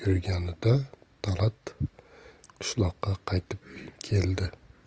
yurganida talat qishloqqa qaytib keldi